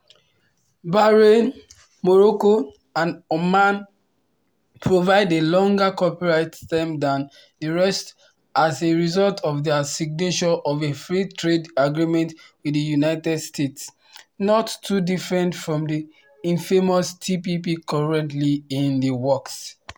Bahrain, Morocco, and Oman provide a longer copyright term than the rest as a result of their signature of a free trade agreement with the United States, not too different from the infamous TPP currently in the works.